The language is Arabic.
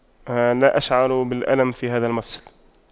لا أشعر بالألم في هذا المفصل